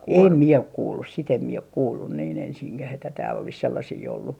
en minä ole kuullut sitä en minä ole kuullut niin ensinkään että täällä olisi sellaisia ollut